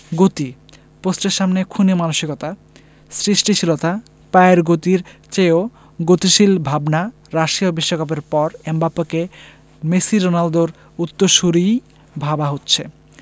গতি পোস্টের সামনে খুনে মানসিকতা সৃষ্টিশীলতা পায়ের গতির চেয়েও গতিশীল ভাবনা রাশিয়া বিশ্বকাপের পর এমবাপ্পেকে মেসি রোনালদোর উত্তরসূরিই ভাবা হচ্ছে